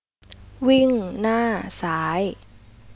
วิ่งหน้าซ้าย